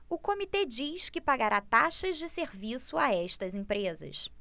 o comitê diz que pagará taxas de serviço a estas empresas